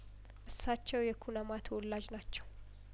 እሳቸው የኩናማ ተወላጅ ናቸው